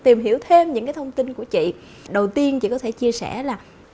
tìm hiểu thêm những cái thông tin của chị đầu tiên chị có thể chia sẻ là